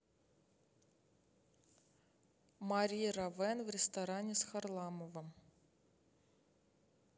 mary равен в ресторане с харламовым